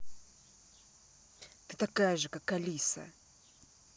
ты такая же как алиса